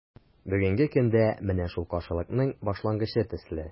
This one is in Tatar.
Бүгенге көндә – менә шул каршылыкның башлангычы төсле.